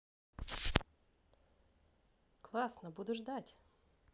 классно буду ждать